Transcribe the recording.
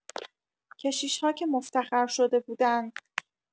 کشیش‌ها که مفتخر شده بودند.